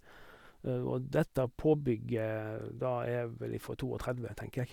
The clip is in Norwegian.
Og dette påbygget, da, er vel ifra to og tredve, tenker jeg.